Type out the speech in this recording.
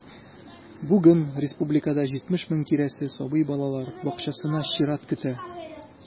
Бүген республикада 70 мең тирәсе сабый балалар бакчасына чират көтә.